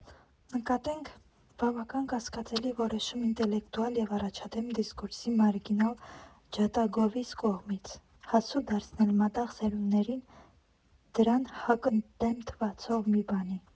Նկատենք՝ բավական կասկածելի որոշում ինտելեկտուալ և առաջադեմ դիսկուրսի մարգինալ ջատագովիս կողմից՝ հասու դարձնել մատաղ սերունդներին դրան հակընդդեմ թվացող մի բանի։